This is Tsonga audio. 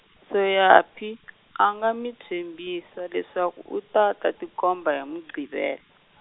Soyaphi , a nga mi tshembisa leswaku u ta ta tikomba hi Muqhivela.